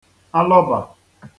alọbà